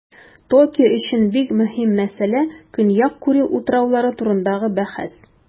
Токио өчен бик мөһим мәсьәлә - Көньяк Курил утраулары турындагы бәхәс.